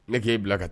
Ne k'ei bila ka taa